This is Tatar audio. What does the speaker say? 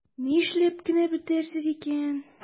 Нишләп кенә бетәрбез икән?